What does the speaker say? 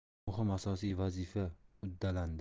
muhimi asosiy vazifa uddalandi